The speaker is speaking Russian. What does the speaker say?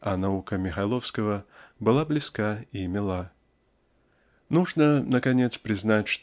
а наука Михайловского была близка и мила. Нужно наконец признать